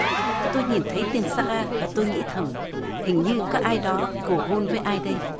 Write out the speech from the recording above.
tôi nhìn thấy tên sa ra và tôi nghĩ thầm hình như có ai đó cầu hôn với ai đây